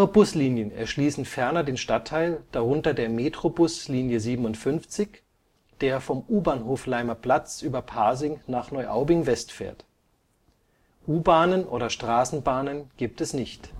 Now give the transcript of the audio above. Buslinien erschließen ferner den Stadtteil, darunter der Metrobus Linie 57, der vom U-Bahnhof Laimer Platz über Pasing nach Neuaubing West fährt. U-Bahnen oder Straßenbahnen gibt es nicht